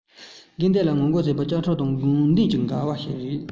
སྒེར སྡེམ ལ ངོ རྒོལ བྱེད པའི བཅའ ཁྲིམས དང དགོངས དོན ནི འགལ བ ཞིག རེད